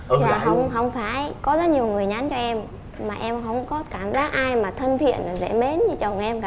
dạ không không phải có rất nhiều người nhắn cho em mà em không có cảm giác ai mà thân thiện dễ mến như chồng em cả